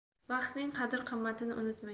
vaqtning qadr qimmatini unutmang